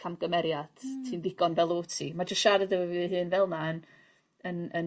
camgymeriad... Hmm. ...ti'n ddigon fel wt ti ma' jys siarad efo fy hun fel 'na yn yn yn